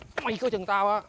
mày coi chừng tao á